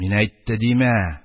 Мин әйтте димә